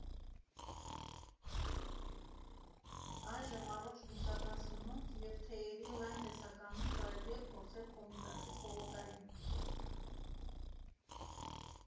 Այժմ առողջ բուսական սնունդ և թեյերի լայն տեսականին կարելի է փորձել Կոմիտասի պողոտայում։